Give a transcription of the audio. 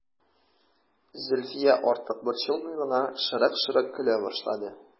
Зөлфия, артык борчылмый гына, шырык-шырык көлә башлады.